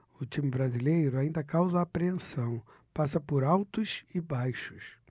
o time brasileiro ainda causa apreensão passa por altos e baixos